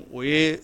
O ye